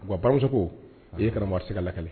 U ka baramusoko, ee, karamɔgɔma , a tɛ se ka lakale.